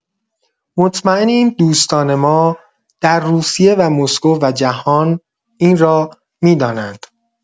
مطمئنیم دوستان ما در روسیه و مسکو و جهان این را می‌دانند.